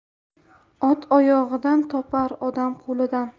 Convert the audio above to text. ot oyog'idan topar odam qo'lidan